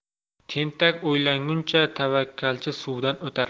tentak o'ylanguncha tavakkalchi suvdan o'tar